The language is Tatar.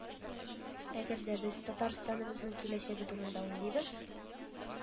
Әгәр дә без Татарстаныбызның киләчәге турында уйлыйбыз